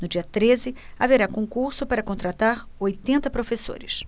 no dia treze haverá concurso para contratar oitenta professores